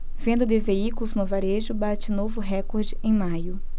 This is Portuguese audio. venda de veículos no varejo bate novo recorde em maio